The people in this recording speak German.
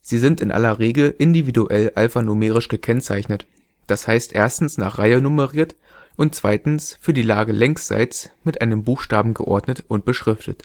Sie sind in aller Regel individuell alphanumerisch gekennzeichnet, das heißt erstens nach Reihe nummeriert und zweitens für die Lage längsseits mit einem Buchstaben geordnet und beschriftet,